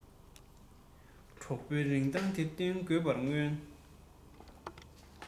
གྲོགས པོའི རིན ཐང འདི རྟེན དགོས པར མངོན